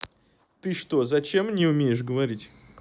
ты что зачем мне умеешь говорить